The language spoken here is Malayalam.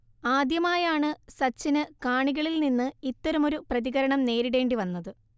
ആദ്യമായാണ് സച്ചിന് കാണികളിൽ നിന്ന് ഇത്തരമൊരു പ്രതികരണം നേരിടേണ്ടിവന്നത്